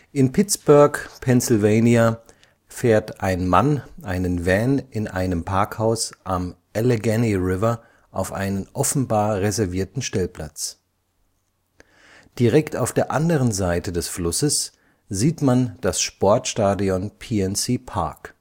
In Pittsburgh, Pennsylvania, fährt ein Mann einen Van in einem Parkhaus am Allegheny River auf einen offenbar reservierten Stellplatz. Direkt auf der anderen Seite des Flusses sieht man das Sportstadion PNC Park